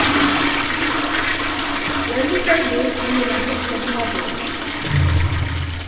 í eini lítlari vík fann hon ein flokk av smábørnum